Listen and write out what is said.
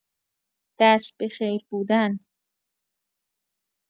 دست به خیر بودن